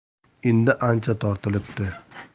endi ancha tortilibdi